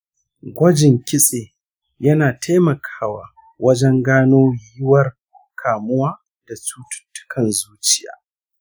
gwajin kitse yana taimakawa wajen gano yiwuwar kamuwa da cututtukan zuciya